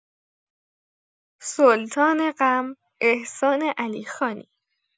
سلطان غم، احسان علیخانی